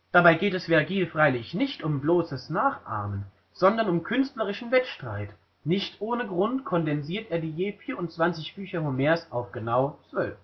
Dabei geht es Vergil freilich nicht um bloßes Nachahmen, sondern um künstlerischen Wettstreit; nicht ohne Grund kondensiert er die je 24 Bücher Homers auf genau zwölf